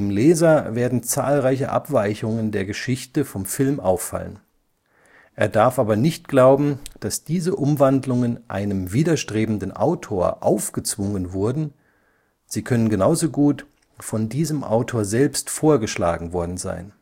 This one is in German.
Leser werden zahlreiche Abweichungen der Geschichte vom Film auffallen, er darf aber nicht glauben, dass diese Umwandlungen einem widerstrebenden Autor aufgezwungen wurden; sie können genauso gut von diesem Autor selbst vorgeschlagen worden sein